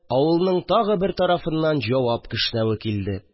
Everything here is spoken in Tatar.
Авылның тагы бер тарафыннан җавап кешнәве килде